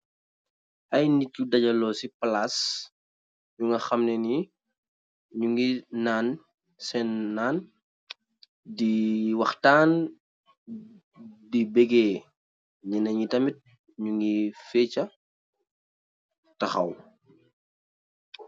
Ay nit yu dajalo si palas, nyunga khamneh ni nyungi naan sen naan, di wakhtaan, di begeh. Nyeneyi tamit nyungi fecha, takhaw.